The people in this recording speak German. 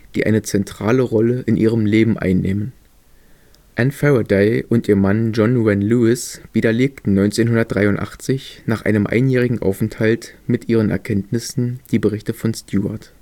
die eine zentrale Rolle in ihrem Leben einnähmen. Ann Faraday und ihr Mann John Wren Lewis widerlegten 1983 nach einem einjährigem Aufenthalt mit ihren Erkenntnissen die Berichte von Stewart